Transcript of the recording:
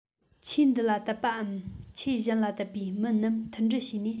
ཆོས འདི ལ དད པའམ ཆོས གཞན ལ དད པའི མི རྣམས མཐུན སྒྲིལ བྱས ནས